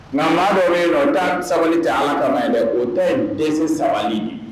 Nka maa dɔ bɛ yen nɔ o ta sabali tɛ Ala kama ye dɛ o ta ye dɛsɛ sabali ye